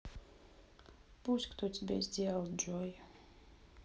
пусть кто тебя сделал джой